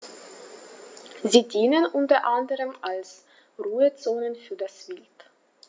Sie dienen unter anderem als Ruhezonen für das Wild.